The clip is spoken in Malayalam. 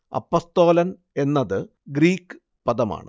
അപ്പസ്തോലൻ എന്നത് ഗ്രീക്കു പദമാണ്